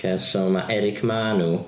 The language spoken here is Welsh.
Ocê so ma' Eric Manu...